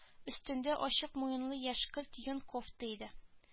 Өстендә ачык муенлы яшькелт йон кофта иде